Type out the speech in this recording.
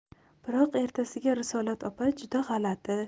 biroq ertasiga risolat opa juda g'alati